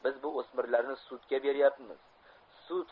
biz bu o'smirlarni sudga beryapmiz